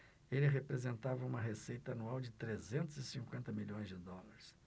ele representava uma receita anual de trezentos e cinquenta milhões de dólares